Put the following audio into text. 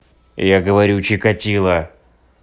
я говорю чикатило